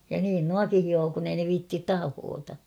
ja niin nuokin hiovat kun ei ne viitsi tahkota